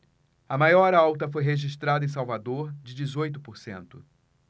a maior alta foi registrada em salvador de dezoito por cento